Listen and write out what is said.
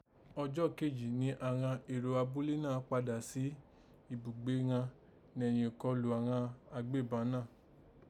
Ọjọ́ kéjì ni àghan èrò abúlé náà kpadà sí ibùgbé ghan nẹ̀yìn ìkọlù àghan agbéban náà